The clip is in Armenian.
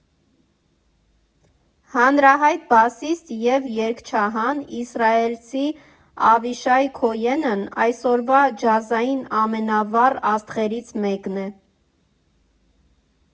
Հանրահայտ բասիստ և երգահան, իսրայելցի Ավիշայ Քոենն այսօրվա ջազային ամենավառ աստղերից մեկն է։